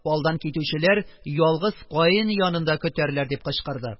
Алдан китүчеләр "ялгыз каен" янында көтәрләр, - дип кычкырды.